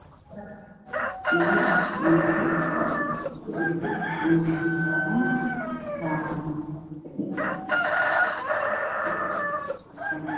Niman oo uunsi qaacayo udhwo